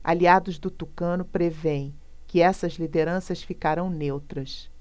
aliados do tucano prevêem que essas lideranças ficarão neutras